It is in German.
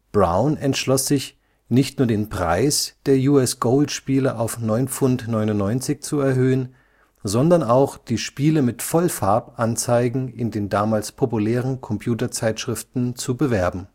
Brown entschloss sich, nicht nur den Preis der U.S. Gold Spiele auf £ 9,99 zu erhöhen, sondern auch die Spiele mit Vollfarb-Anzeigen in den damals populären Computer Zeitschriften zu bewerben